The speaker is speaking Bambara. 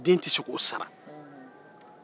den tɛ se k'o sara